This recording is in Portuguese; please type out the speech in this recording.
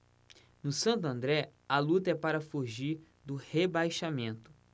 no santo andré a luta é para fugir do rebaixamento